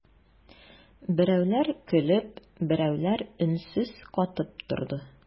Берәүләр көлеп, берәүләр өнсез катып торды.